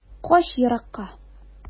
Кач еракка.